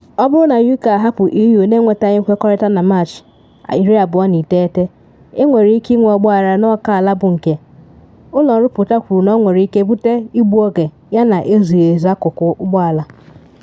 Ọ bụrụ na UK ahapụ EU n’enwetaghị nkwekọrịta na Maachị 29, enwere ike inwe ọgbaghara n’oke ala bụ nke ụlọ nrụpụta kwuru na ọ nwere ike bute igbu oge yana ezughị ezu akụkụ ụgbọ ala.